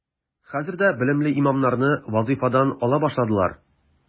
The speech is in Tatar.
Хәзер дә белемле имамнарны вазифадан ала башладылар.